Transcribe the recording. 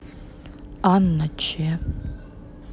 анна ч